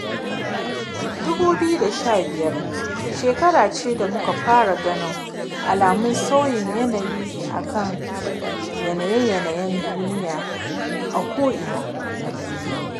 2015 shekara ce da muka fara ganin alamun sauyin yanayi a kan yanaye-yanayen duniya a ko'ina a duniya.